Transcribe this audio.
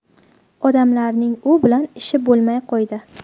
odamlarning u bilan ishi bo'lmay qo'ydi